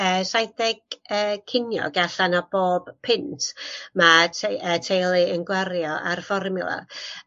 yy saeth deg yy ceiniog allan o bob punt ma' teu- yy teulu yn gwario ar fformiwla